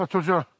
Tatws ia.